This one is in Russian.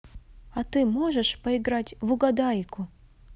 а ты можешь поиграть в угадайку